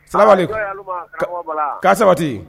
Salaamu alayikum k'a sabati